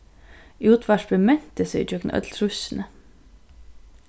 útvarpið menti seg gjøgnum øll trýssini